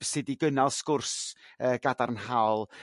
sud i gynnal sgwrs yrr gadarnhaol